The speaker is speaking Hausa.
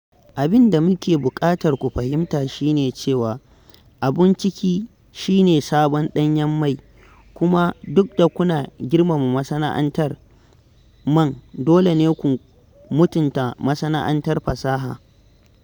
Abin da muke buƙatar ku fahimta shi ne cewa abun ciki shine sabon danyen mai kuma duk da kuna girmama masana'antar man dole ne ku mutunta masana'antar fasaha.